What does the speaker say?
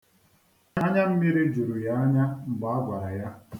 Anyammiri juru ya anya mgbe a gwara ya.